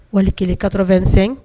Wali kelen katɔfɛnsen